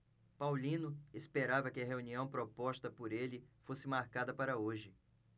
paulino esperava que a reunião proposta por ele fosse marcada para hoje